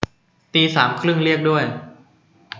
ตีสามครึ่งเรียกด้วย